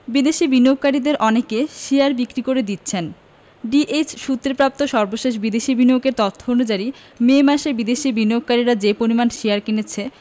বিদেশি বিনিয়োগকারীদের অনেকে শেয়ার বিক্রি করে দিচ্ছেন ডিএসই সূত্রে প্রাপ্ত সর্বশেষ বিদেশি বিনিয়োগের তথ্য অনুযায়ী মে মাসে বিদেশি বিনিয়োগকারীরা যে পরিমাণ শেয়ার কিনেছে